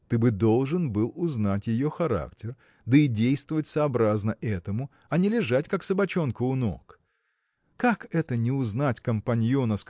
Ты бы должен был узнать ее характер да и действовать сообразно этому а не лежать как собачонка у ног. Как это не узнать компаниона